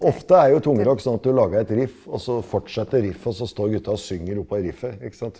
ofte er jo tungrock sånn at du lager et riff også fortsetter riffet også står gutta og synger oppå riffet ikke sant.